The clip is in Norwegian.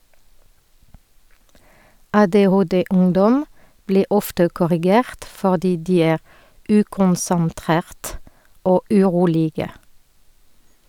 - ADHD-ungdom blir ofte korrigert fordi de er ukonsentrerte og urolige.